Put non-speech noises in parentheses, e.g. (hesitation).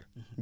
(hesitation) (hesitation)